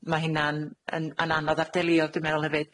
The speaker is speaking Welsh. Ma' hynna'n yn yn yn anodd ar deuluodd dwi meddwl hefyd.